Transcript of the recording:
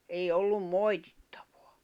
ei ollut moitittavaa